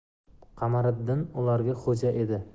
qamariddin ularga xoja edi